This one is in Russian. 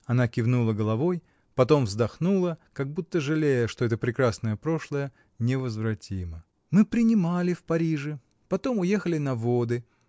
Она кивнула головой, потом вздохнула, как будто жалея, что это прекрасное прошлое невозвратимо. — Мы принимали в Париже потом уехали на воды